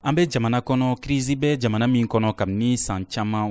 an bɛ jamana kɔnɔ kirisi bɛ jamana min kɔnɔ kabini san caman